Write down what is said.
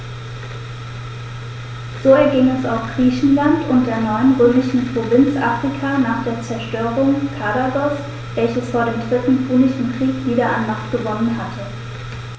So erging es auch Griechenland und der neuen römischen Provinz Afrika nach der Zerstörung Karthagos, welches vor dem Dritten Punischen Krieg wieder an Macht gewonnen hatte.